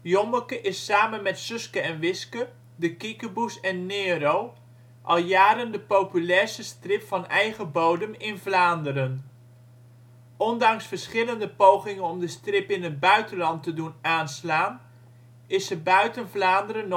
Jommeke is samen met Suske en Wiske, De Kiekeboes en Nero al jaren de populairste strip van eigen bodem in Vlaanderen. Ondanks verschillende pogingen om de strip in het buitenland te doen aanslaan is ze buiten Vlaanderen nooit